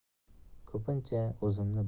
ko'pincha o'zimni boshqa